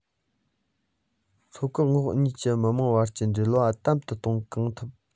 མཚོ འགག ངོགས གཉིས ཀྱི མི དམངས བར གྱི འབྲེལ བ དམ དུ གཏོང གང ཐུབ